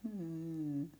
mm